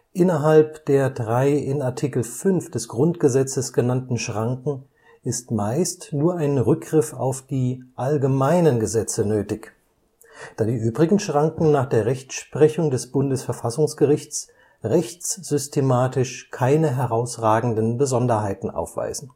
Innerhalb der drei in Art. 5 GG genannten Schranken ist meist nur ein Rückgriff auf die „ allgemeinen Gesetze “nötig, da die übrigen Schranken nach der Rechtsprechung des Bundesverfassungsgerichts rechtssystematisch keine herausragenden Besonderheiten aufweisen